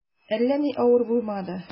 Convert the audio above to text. Әллә ни авыр булмады.